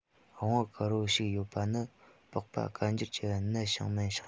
བོང བུ དཀར པོ ཞིག ཡོད པ ནི པགས པ དཀར འགྱུར གྱི ནད བྱུང མིན ཞིང